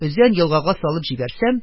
Өзән елгага салып җибәрсәм,